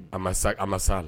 A ma sa ma sa la.